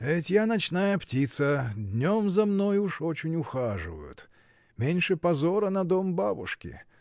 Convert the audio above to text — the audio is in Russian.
— Ведь я ночная птица: днем за мной уж очень ухаживают. Меньше позора на дом бабушки.